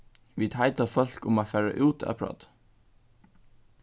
vit heita fólk um at fara út at práta